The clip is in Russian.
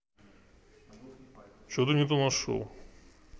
че то это ты не то нашел